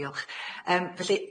Diolch, yym felly,